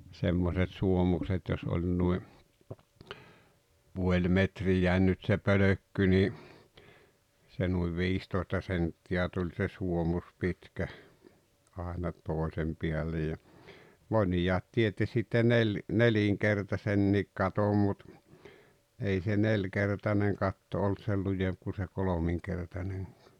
semmoiset suomukset jos oli noin puoli metriä nyt se pölkky niin se noin viistoista senttiä tuli se suomus pitkä aina toisen päälle ja monet teetti sitten - nelinkertaisen katon mutta ei se nelinkertainen katto ollut sen lujempi kuin se kolminkertainenkaan